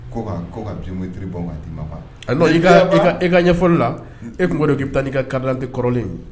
Ko ka biométrique bɔ ka d'i ma non e ka ɲɛfɔli la e tun ko de k'i taa taa n'i ka carte d'identité kɔrɔlen in ye